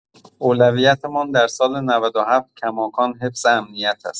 اولویت‌مان در سال ۹۷ کماکان حفظ امنیت است.